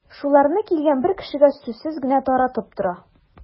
Шуларны килгән бер кешегә сүзсез генә таратып тора.